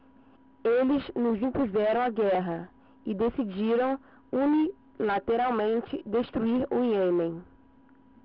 eles nos impuseram a guerra e decidiram unilateralmente destruir o iêmen